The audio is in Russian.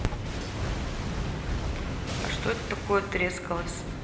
а что это такое трескалось